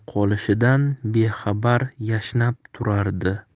qolishidan bexabar yashnab turardi